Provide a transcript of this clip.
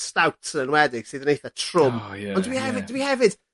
Stout yn enwedig sydd yn eitha trwm. O ie ie. Ond dwi hefyd, dwi hefyd